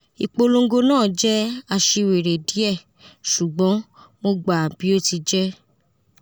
Ipolongo naa jẹ aṣiwere diẹ ṣugbọn mo gba bi o ti jẹ.